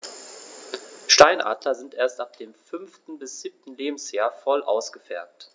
Steinadler sind erst ab dem 5. bis 7. Lebensjahr voll ausgefärbt.